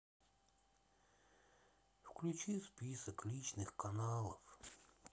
включи список личных каналов